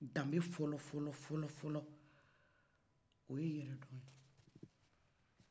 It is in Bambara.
dambe fɔlɔ fɔlɔ fɔlɔ oye yɛrɛ dɔnye